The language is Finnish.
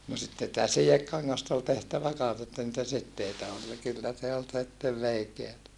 no sitten sitä sidekangasta oli tehtävä kanssa että niitä siteitä oli ja kyllä se oli sitten veikeätä